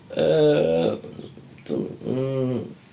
Yy, dwi'm yym...